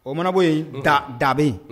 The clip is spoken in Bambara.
O mana bɔ yen , n ga Da be yen.